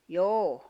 joo